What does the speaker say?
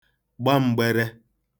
gba m̄gbērē